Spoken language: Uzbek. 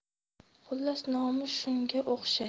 xullas nomi shunga o'xshash